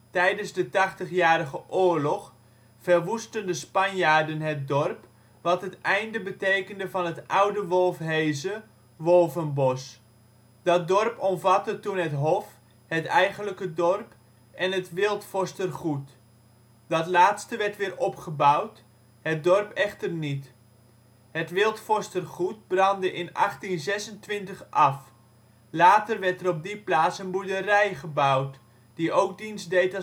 tijdens de Tachtigjarige Oorlog) verwoestten de Spanjaarden het dorp, wat het einde betekende van het oude Wolfheze (Wolvenbos). Dat dorp omvatte toen het Hof (het eigenlijke dorp) en het ' t Wildforstergoed. Dat laatste werd weer opgebouwd, het dorp echter niet. Het Wildforstergoed brandde in 1826 af. Later werd er op die plaats een boerderij gebouwd, die ook dienst deed